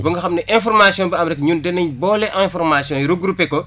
ba nga xam ne information bu am rek ñun danañ boole information yi regroupé ko